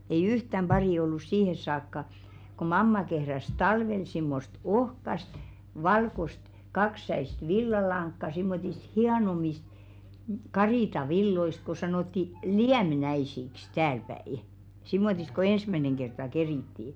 ei yhtään paria ollut siihen saakka kun mamma kehräsi talvella semmoista ohkaista valkoista kaksisäistä villalankaa semmoisista hienommista karitsanvilloista kun sanottiin lieminkäisiksi täälläpäin semmoista kun ensimmäinen kerta kerittiin